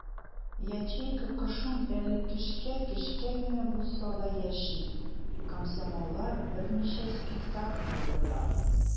Ячейка кышын әле көчкә-көчкә генә булса да яши - комсомоллар берничә спектакль куйдылар.